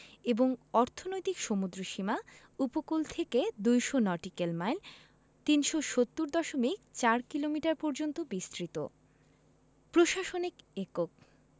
এবং অর্থনৈতিক সমুদ্রসীমা উপকূল থেকে ২০০ নটিক্যাল মাইল ৩৭০ দশমিক ৪ কিলোমিটার পর্যন্ত বিস্তৃত প্রশাসনিক একক